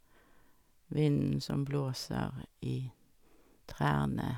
Vinden som blåser i trærne.